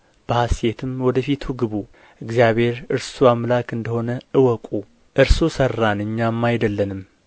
በሐሤትም ወደ ፊቱ ግቡ እግዚአብሔር እርሱ አምላክ እንደ ሆነ እወቁ እርሱ ሠራን እኛም አይደለንም